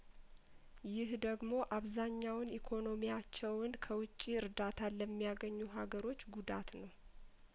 ይህ ደግሞ አብዛኛውን ኢኮኖሚያቸውን ከውጪ እርዳታ ለሚያገኙ ሀገሮች ጉዳት ነው